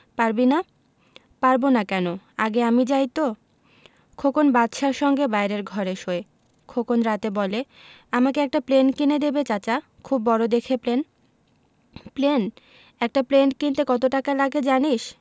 পারবি না পারব না কেন আগে আমি যাই তো খোকন বাদশার সঙ্গে বাইরের ঘরে শোয় খোকন রাতে বলে আমাকে একটা প্লেন কিনে দিবে চাচা খুব বড় দেখে প্লেন প্লেন একটা প্লেন কিনতে কত টাকা লাগে জানিস